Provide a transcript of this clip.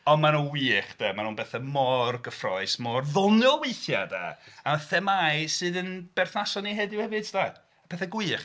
Ond mae nhw'n wych 'de, maen nhw'n bethau mor gyffrous, mor ddoniol weithiau 'de a themâu sydd yn berthnasol i ni heddiw hefyd 'de. Pethau gwych.